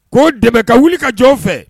Ko de ka wuli ka jɔn fɛ